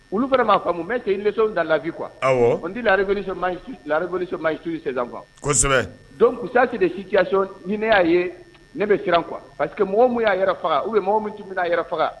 Olu fana maa fa mɛ tɛ ne da lafiyi qu kuwa nreremasu sen kuwa kosɛbɛ don kusase de si cɛyason ni ne y'a ye ne bɛ siran qu kuwa pari que mɔgɔ min y'a yɛrɛ faga u bɛ mɔgɔ min tun bɛ'a yɛrɛ faga